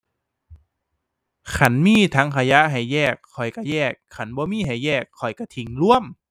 คันมีถังขยะให้แยกข้อยก็แยก คันบ่มีให้แยกข้อยก็ทิ้งรวม